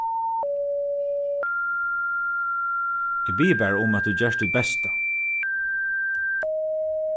eg biði bara um at tú gert títt besta